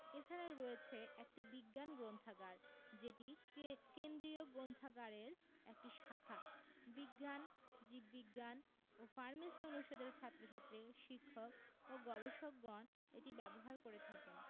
এছাড়া রয়েছে একটি বিজ্ঞান গ্রন্থাগার যেটি কে কেন্দ্রীয় গ্রন্থাগারের একটি শাখা বিজ্ঞান জীববিজ্ঞান ও ফার্মেসি অনুষদের ছাত্রছাত্রী শিক্ষক ও গবেষকগণ এটি ব্যবহার করে থাকেন